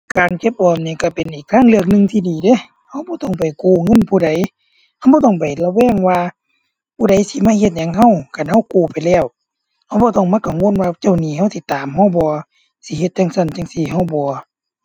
การเก็บออมนี่ก็เป็นอีกทางเลือกหนึ่งที่ดีเดะ ก็บ่ต้องไปกู้เงินผู้ใด ก็บ่ต้องไประแวงว่าผู้ใดสิมาเฮ็ดหยังก็คันก็กู้ไปแล้ว ก็บ่ต้องมากังวลว่าเจ้าหนี้ก็สิตามก็บ่ สิเฮ็ดจั่งซั้นจั่งซี้ก็บ่